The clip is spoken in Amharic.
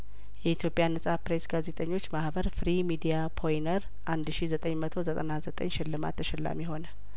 የኢትዮጵያ ነጻ ፐሬ ስጋዜጠኞች ማህበር ፍሪ ሚዲያፖ ይነር አንድ ሺ ዘጠኝ መቶ ዘጠና ዘጠኝ ሽልማት ተሸላሚ ሆነ